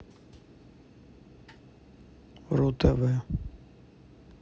ру тв